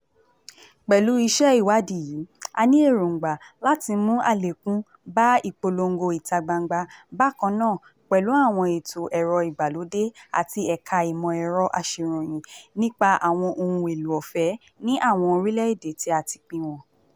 Pẹ̀lú iṣẹ́ ìwádìí yìí, a ní èròngbà láti mú àlékún bá ìpolongo itagbangba bákàn náà pẹ̀lú àwọn ẹ̀tọ́ ẹ̀rọ-ìgbàlódé àti Ẹ̀ka Ìmọ̀ Ẹ̀rọ Aṣèròyìn nípa àwọn ohun èlò Ọ̀fẹ́ ní àwọn orílẹ̀-èdè tí a ti pín wọn.